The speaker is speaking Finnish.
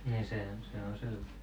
niin se on se on selvä